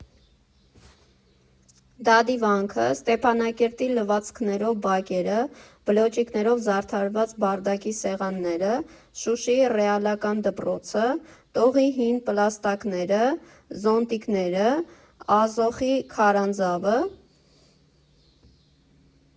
Դադիվա՞նքը, Ստեփանակերտի լվացքներով բակե՞րը, Բլոջիկներով զարդարված Բարդակի սեղաննե՞րը, Շուշիի ռեալական դպրո՞ցը, Տողի հին փլատակնե՞րը, Զոնտիկնե՞րը, Ազոխի քարանձա՞վը…